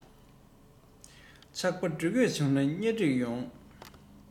ཆགས པ སྒྲིག དགོས བྱུང ན ཉ སྒྲིག ཡོང